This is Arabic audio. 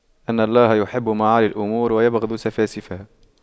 إن الله يحب معالي الأمور ويبغض سفاسفها